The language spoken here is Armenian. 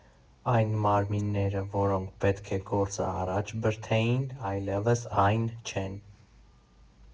Այն մարմինները, որոնք պետք է գործը առաջ բրդեին՝ այլևս այն չեն։